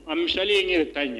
A misali ye yɛrɛ ta ɲɛ